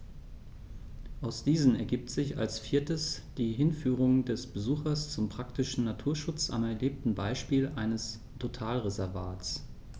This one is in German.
Aus diesen ergibt sich als viertes die Hinführung des Besuchers zum praktischen Naturschutz am erlebten Beispiel eines Totalreservats.